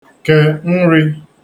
kè nrī